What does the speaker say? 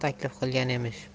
sulh taklif qilgan emish